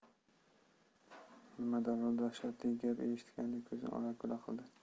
nima dallol dahshatli gap eshitgandek ko'zini ola kula qildi